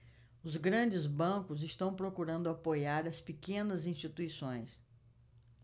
os grandes bancos estão procurando apoiar as pequenas instituições